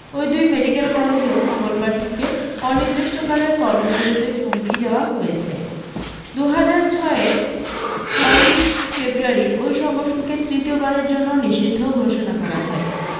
ওই দুই মেডিকেল কলেজেও মঙ্গলবার থেকে অনির্দিষ্টকালের কর্মবিরতির হুমকি দেওয়া হয়েছে দু হাজার ছয়ের ছয়ৈ ফেব্রুয়ারি ওই সংগঠনকে তৃতীয়বারের জন্য নিষিদ্ধ ঘোষণা করা হয়